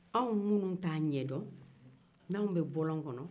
anw minnuw t'a ɲɛdɔn ni anw bɛ bɔlɔn kɔnɔ